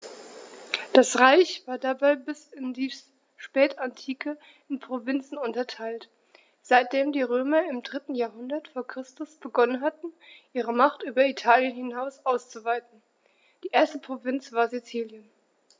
Das Reich war dabei bis in die Spätantike in Provinzen unterteilt, seitdem die Römer im 3. Jahrhundert vor Christus begonnen hatten, ihre Macht über Italien hinaus auszuweiten (die erste Provinz war Sizilien).